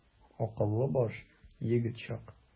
Акыллы баш, егет чак.